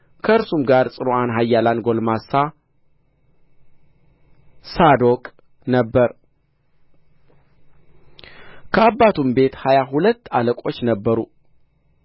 ከእርሱም ጋር ጽኑዕ ኃያል ጕልማሳ ሳዶቅ ነበረ ከአባቱም ቤት ሃያ ሁለት አለቆች ነበሩ